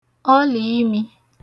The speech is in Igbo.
ọlìimī